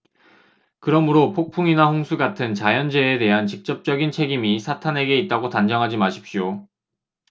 그러므로 폭풍이나 홍수 같은 자연재해에 대한 직접적인 책임이 사탄에게 있다고 단정하지 마십시오